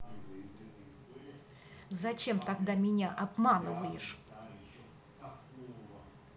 зачем тогда меня обманываешь